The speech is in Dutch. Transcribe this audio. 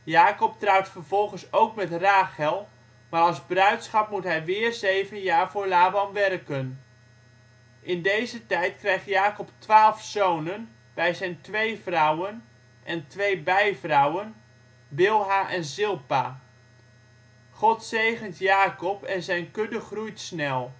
Jakob trouwt vervolgens ook met Rachel, maar als bruidschat moet hij weer zeven jaar voor Laban werken. In deze tijd krijgt Jakob twaalf zonen bij zijn twee vrouwen, en twee bijvrouwen Bilha en Zilpa. God zegent Jakob en zijn kudde groeit snel